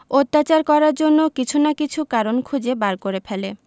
অত্যাচার করার জন্য কিছু না কিছু কারণ খুঁজে বার করে ফেলে